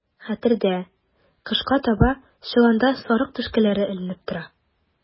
Хәтердә, кышка таба чоланда сарык түшкәләре эленеп тора.